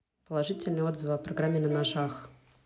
положительные отзывы о программе на ножах